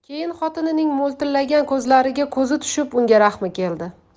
keyin xotinining mo'ltillagan ko'zlariga ko'zi tushib unga rahmi keldi